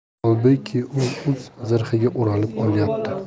holbuki u o'z zirhiga o'ralib olyapti